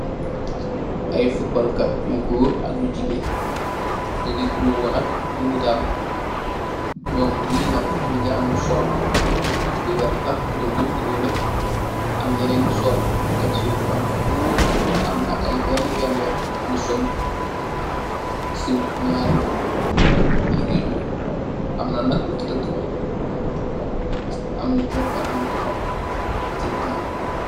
Aiiy football kat yu gorre ak yu gigain, njungy growoh nak dii naatalu, njom njee nak njungy am nju sol lu wertah, njom njehp nju ndurohleh, am njehnen nju sol ngensoh yu honhu, amna aiiy benue benue yak nju solut cii njaari yehreh yoyu, Amna nak nju tedu, am nju johnkon, am nju tedue cii natal bii.